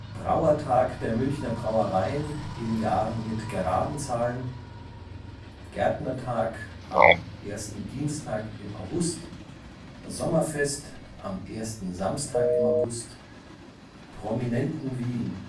Brauertag der Münchner Brauereien (in Jahren mit geraden Zahlen) Gärtnertag (immer am 1. Dienstag im August) Sommerfest (immer am 1. Samstag im August) Prominentenwiegen